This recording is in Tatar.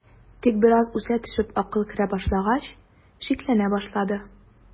Тик бераз үсә төшеп акыл керә башлагач, шикләнә башлады.